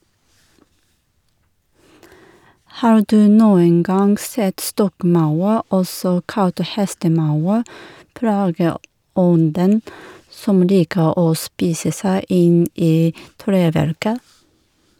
Har du noen gang sett stokkmaur, også kalt hestemaur, plageånden som liker å spise seg inn i treverket?